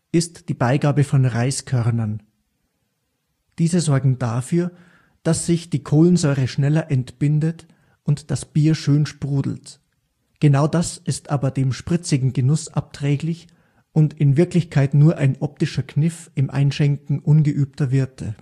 ist die Beigabe von Reiskörnern. Diese sorgen dafür, dass sich die Kohlensäure schneller entbindet und das Bier schön sprudelt – genau das ist aber dem spritzigen Genuss abträglich und in Wirklichkeit nur ein optischer Kniff im Einschenken ungeübter Wirte